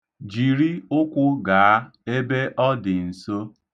Jiri ụkwụ gaa, ebe ọ dị nso.